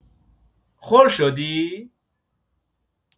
خل شدی؟